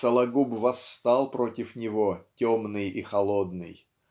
Сологуб восстал против него темный и холодный.